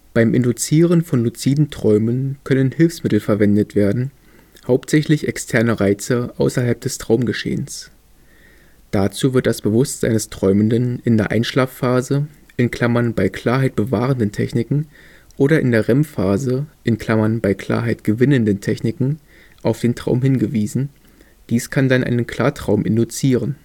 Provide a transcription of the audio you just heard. Beim Induzieren von luziden Träumen können Hilfsmittel verwendet werden, hauptsächlich externe Reize außerhalb des Traumgeschehens. Dazu wird das Bewusstsein des Träumenden in der Einschlafphase (bei Klarheit bewahrenden Techniken) oder in der REM-Phase (bei Klarheit gewinnenden Techniken) auf den Traum hingewiesen; dies kann dann einen Klartraum induzieren